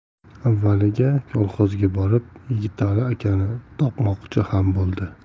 avvaliga kolxozga borib yigitali akani topmoqchi ham bo'ldi